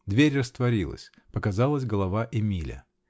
Дверь растворилась -- показалась голова Эмиля.